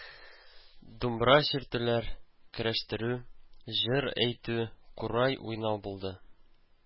Думбра чиртүләр, көрәштерү, җыр әйтү, курай уйнау булды.